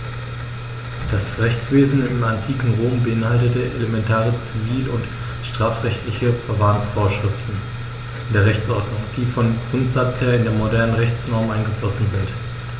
Das Rechtswesen im antiken Rom beinhaltete elementare zivil- und strafrechtliche Verfahrensvorschriften in der Rechtsordnung, die vom Grundsatz her in die modernen Rechtsnormen eingeflossen sind.